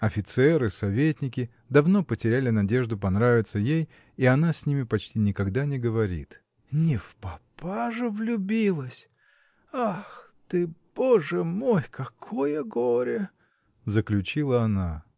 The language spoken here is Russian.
Офицеры, советники — давно потеряли надежду понравиться ей, и она с ними почти никогда не говорит. — Не в попа же влюбилась! Ах ты, Боже мой, какое горе! — заключила она.